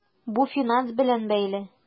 Бу финанс белән бәйле.